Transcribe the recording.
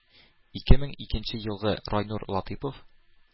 Ике менң икенче елгы райнур латыйпов